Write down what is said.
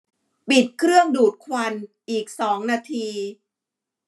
ปิดเครื่องดูดควันอีกสองนาที